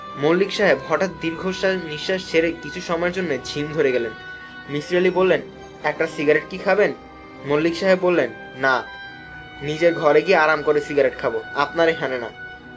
মল্লিক সাহেব হটাত দীরঘ শ্বাস নিশ্বাস ছেরে কিছু সময়ের জন্য জিম দরে গেলেন মিসির আলি বললেন একটা সিগারেট কি খাবেন মল্লিক সাহেব বললেন না নিজের ঘরে গিয়ে আরাম করে সিগারেট খাব আপনার এখানে না